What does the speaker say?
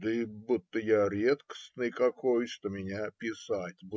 - Да будто я редкостный какой, что меня писать.